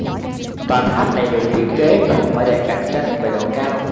tòa tháp này được thiết kế không phải để cạnh tranh về độ cao